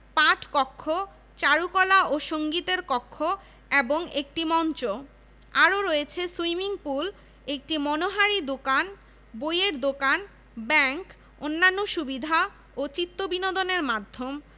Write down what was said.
London ভিত্তিক India Office Library বিভিন্ন ধরনের বিরল বই উপহার দিয়ে থাকে ১৯৯৯ সাল পর্যন্ত ঢাকা বিশ্ববিদ্যালয় গ্রন্থাগারে সংগৃহীত গ্রন্থের সংখ্যা